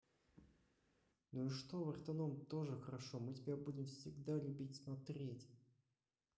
ну и что вартаном тоже хорошо мы тебя будем всегда любить смотреть